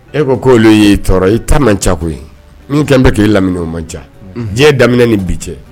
E ko k'olu ye e tɔɔrɔ i ta man ca koyi min kɛnbɛ k'e lamini o man ca unh diɲɛ daminɛ ni bi cɛ